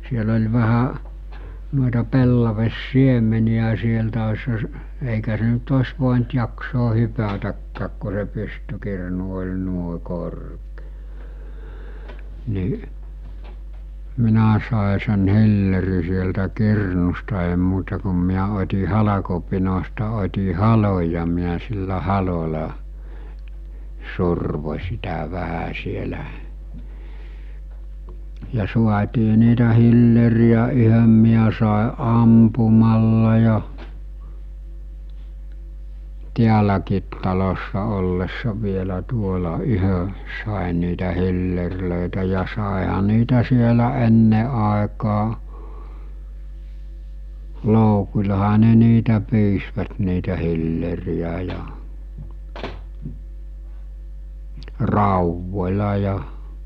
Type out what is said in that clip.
siellä oli vähän noita pellavansiemeniä sieltä olisihan - eikä se nyt olisi voinut jaksaa hypätäkään kun se pystykirnu oli noin korkea niin minä sain sen hillerin sieltä kirnusta ei muuta kuin minä otin halkopinosta otin halon ja minä sillä halolla survoin sitä vähän siellä ja saatiin niitä hillereitä yhden minä sain ampumalla ja täälläkin talossa ollessa vielä tuolla yhden sain niitä hillereitä ja saihan niitä siellä ennen aikaan loukullahan ne niitä pyysivät niitä hillereitä ja raudoilla ja